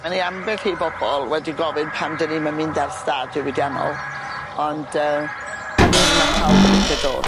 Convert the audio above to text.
Ma' ni ambell i bobol wedi gofyn pam 'dyn ni'm yn mynd ar stad diwydiannol ond yy fan hyn ma' pawb yn licio dod.